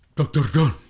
Doctor John!